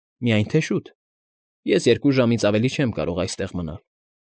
Միայն թե շուտ։ Ես երկու ժամից ավելի չեմ կարող այստեղ մնալ։